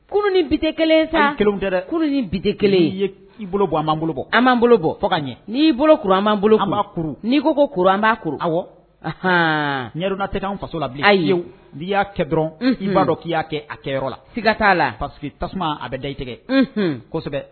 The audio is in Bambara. Ni bi kelen sa kelen dɛ dɛ ni bi kelen i bolo bɔ a maan bolo bɔ a b'an bolo bɔ fo ka ɲɛ n'i bolo kuru a b' bolo kuru n'i ko kuru b'a kuru aw nruna tɛ an faso la bi a ye n'i y'a kɛ dɔrɔn b'a dɔn k'i y'a kɛ a kɛyɔrɔ la siga t'a la paseke tasuma a bɛ da i tigɛ kosɛbɛ